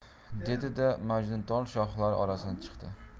dedi da majnuntol shoxlari orasidan chiqdi